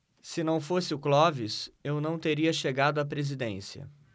se não fosse o clóvis eu não teria chegado à presidência